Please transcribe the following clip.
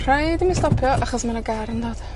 Rhaid i mi stopio achos ma' 'na gar yn dod.